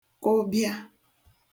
kụbịa